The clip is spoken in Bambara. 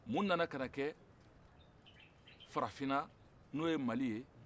mun nana ka na kɛ farafinna n'o ye mali ye